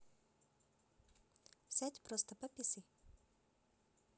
сядь просто пописай